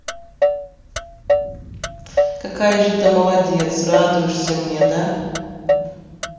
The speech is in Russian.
какая же ты молодец радуешься мне да